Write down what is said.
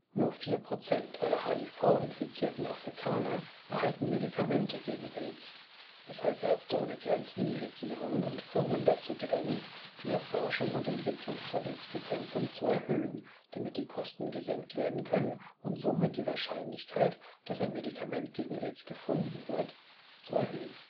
Nur vier Prozent aller HIV-infizierten Afrikaner erhalten Medikamente gegen Aids, weshalb Ärzte ohne Grenzen die Regierungen und Firmen dazu drängt, die Erforschung und Entwicklung zur Aids-Bekämpfung zu erhöhen, damit die Kosten gesenkt werden können und somit die Wahrscheinlichkeit, dass ein Medikament gegen Aids gefunden wird, zu erhöhen